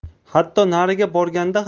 hatto nariga borganda